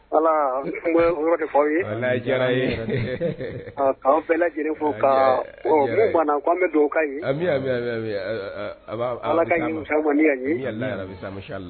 Ala diyara ye an bɛɛ la lajɛlen fo ka bon banna ko an bɛ don ka ala